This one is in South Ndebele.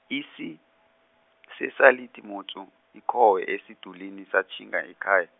isi, sesalithi motsu, ikhowe esidulini satjhinga ekhaya.